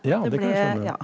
ja det kan jeg skjønne.